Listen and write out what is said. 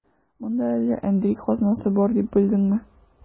Монда әллә әндри казнасы бар дип белдеңме?